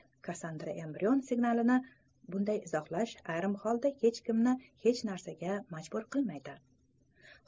kassandra embrion signalini bunday izohlash ayrim holda hech kimni hech narsaga majbur qilmaydi